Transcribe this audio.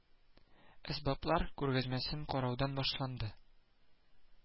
Әсбаплар күргәзмәсен караудан башланды